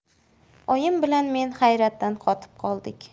oyim bilan men hayratdan qotib qoldik